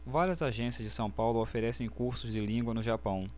várias agências de são paulo oferecem cursos de língua no japão